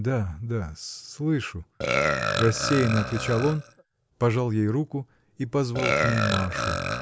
— Да, да, слышу, — рассеянно отвечал он, пожал ей руку и позвал к ней Машу.